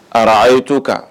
A a y'o too kan